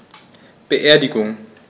Beerdigung